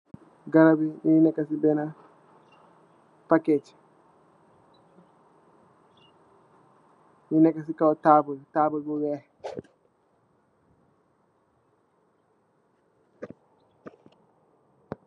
Garap yi ngi nekka ci benna paket ñi nekka ci kaw tabull, tabull bu wèèx.